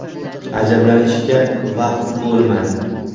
ajablanishga vaqt bo'lmadi